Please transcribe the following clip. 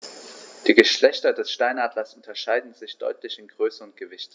Die Geschlechter des Steinadlers unterscheiden sich deutlich in Größe und Gewicht.